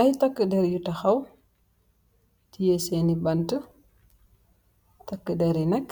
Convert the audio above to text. Ay takka dèr yu taxaw teyeh sèèni bant, takka dèr yi nak